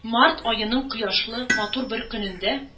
Март аеның кояшлы, матур бер көнендә